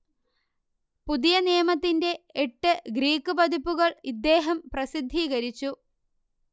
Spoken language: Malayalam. പുതിയ നിയമത്തിന്റെ എട്ട് ഗ്രീക്ക് പതിപ്പുകൾ ഇദ്ദേഹം പ്രസിദ്ധീകരിച്ചു